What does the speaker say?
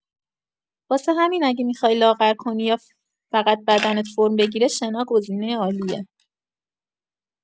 واسه همین اگه می‌خوای لاغر کنی یا فقط بدنت فرم بگیره، شنا گزینه عالیه.